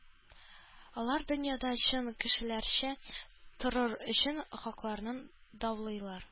Алар дөньяда чын кешеләрчә торыр өчен хакларын даулыйлар